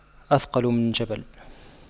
أثقل من جبل